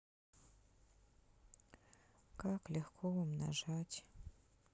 как легко умножать